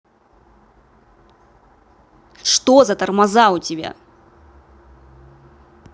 что за тормоза у тебя